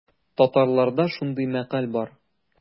Татарларда шундый мәкаль бар.